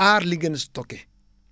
aar li ngeen stocké